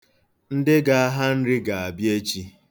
Ndị ga-aha nri ga-abịa echi.